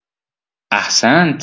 احسنت!